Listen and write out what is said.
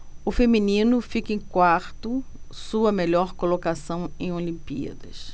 o feminino fica em quarto sua melhor colocação em olimpíadas